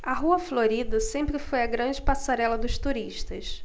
a rua florida sempre foi a grande passarela dos turistas